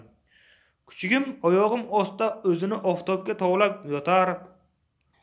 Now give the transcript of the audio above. kuchugim oyog'im ostida o'zini oftobga toblab yotar